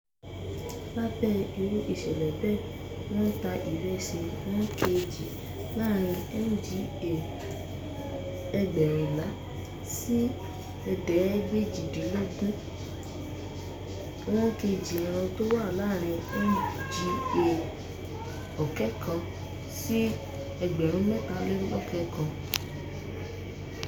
Lábẹ́ irú ìṣẹ̀lẹ̀ bẹ́ẹ̀, wọ́n ń ta ìrẹ̀sì 1kg láàárin MGA 2,800 sí 3,500 (USD 0.60 to 0.76), tí 1 kg ẹran sì wà láàárin MGA 20,000 sí 23,000 ( USD 4.35 to 5).